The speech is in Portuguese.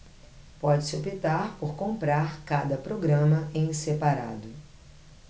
pode-se optar por comprar cada programa em separado